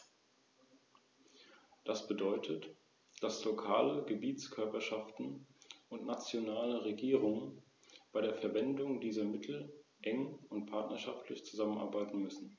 Die Voraussetzungen in den einzelnen Mitgliedstaaten sind sehr verschieden.